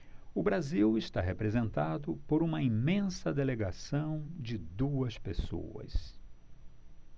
o brasil está representado por uma imensa delegação de duas pessoas